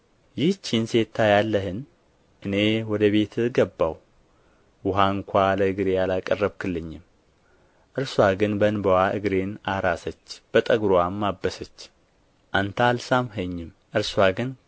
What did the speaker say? ይህችን ሴት ታያለህን እኔ ወደ ቤትህ ገባሁ ውኃ ስንኳ ለእግሬ አላቀረብህልኝም እርስዋ ግን በእንባዋ እግሬን አራሰች በጠጕርዋም አበሰች አንተ አልሳምኸኝም እርስዋ ግን